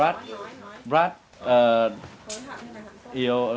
rách rách ờ điều